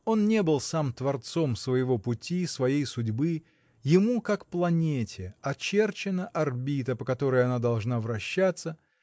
Он не был сам творцом своего пути, своей судьбы: ему, как планете, очерчена орбита, по которой она должна вращаться